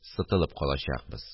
Сытылып калачакбыз